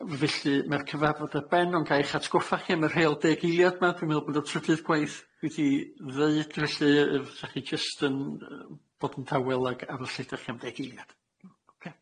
Felly mae'r cyfarfod ar ben ond gai'ch atgoffa chi am y rheol deg eiliad ma' dwi'n meddwl bod y trydydd gwaith dwi di ddeud felly yy fysach chi jyst yn yy bod yn tawel ag aros lle dach chi am deg eiliad.